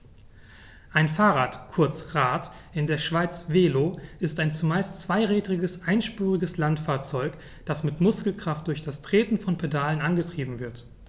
Ein Fahrrad, kurz Rad, in der Schweiz Velo, ist ein zumeist zweirädriges einspuriges Landfahrzeug, das mit Muskelkraft durch das Treten von Pedalen angetrieben wird.